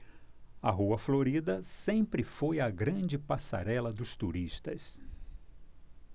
a rua florida sempre foi a grande passarela dos turistas